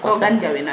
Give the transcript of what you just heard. so gan njawino yo